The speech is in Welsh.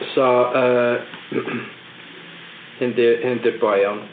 So yy hyn 'di hyn 'di'r boi iawn.